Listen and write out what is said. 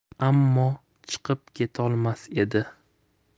ammo chiqib ketolmas edi